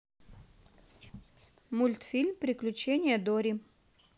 мультфильм приключения дори